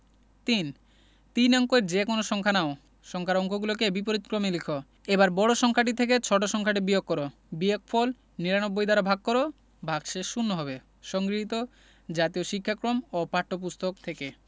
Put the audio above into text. ৩ তিন অঙ্কের যেকোনো সংখ্যা নাও সংখ্যার অঙ্কগুলোকে বিপরীতক্রমে লিখ এবার বড় সংখ্যাটি থেকে ছোট সংখ্যাটি বিয়োগ কর বিয়োগফল ৯৯ দ্বারা ভাগ কর ভাগশেষ শূন্য হবে সংগৃহীত জাতীয় শিক্ষাক্রম ও পাঠ্যপুস্তক থেকে